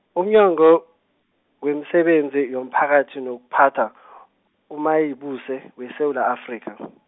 umnyango, wemisebenzi yomphakathi nokuphatha, uMazibuse, weSewula Afrika .